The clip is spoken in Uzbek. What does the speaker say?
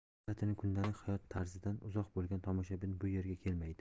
teatrning kundalik hayot tarzidan uzoq bo'lgan tomoshabin bu yerga kelmaydi